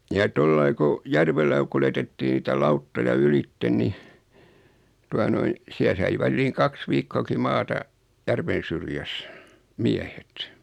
ja tuolla lailla kun järvellä kun kuljetettiin niitä lauttoja ylitse niin tuota noin siellä sai väliin kaksi viikkoakin maata järven syrjässä miehet